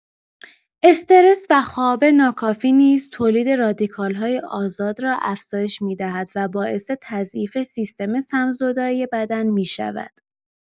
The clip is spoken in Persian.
استرس و خواب ناکافی نیز تولید رادیکال‌های آزاد را افزایش می‌دهد و باعث تضعیف سیستم سم‌زدایی بدن می‌شود.